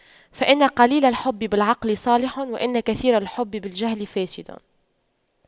فإن قليل الحب بالعقل صالح وإن كثير الحب بالجهل فاسد